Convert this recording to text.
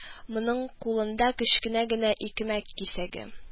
Моның кулында кечкенә генә икмәк кисәге